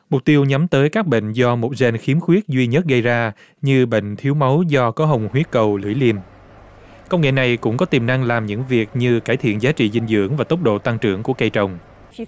mục tiêu nhắm tới các bệnh do một den khiếm khuyết duy nhất gây ra như bệnh thiếu máu do có hồng huyết cầu lưỡi liềm công nghệ này cũng có tiềm năng làm những việc như cải thiện giá trị dinh dưỡng và tốc độ tăng trưởng của cây trồng